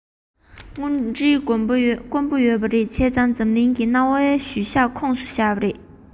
དངོས འབྲེལ དཀོན པོ ཡིན གྱི རེད བྱས ཙང འཛམ གླིང གི གནའ བོའི ཤུལ བཞག ཁོངས སུ བཞག པ རེད